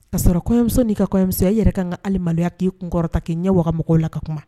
Kaa sɔrɔ kɔɲɔmuso n'i ka kɔɲɔmusoya yɛrɛ ka kan ka hali maloya k'i kun kɔrɔta k'i ɲɛ waga mɔgɔw la ka kuma .